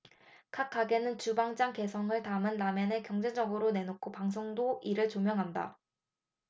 각 가게는 주방장 개성을 담은 라멘을 경쟁적으로 내놓고 방송도 이를 조명한다